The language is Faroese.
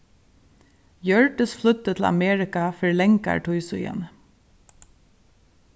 hjørdis flýddi til amerika fyri langari tíð síðani